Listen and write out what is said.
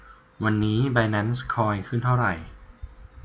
วันนี้ไบแนนซ์คอยขึ้นเท่าไหร่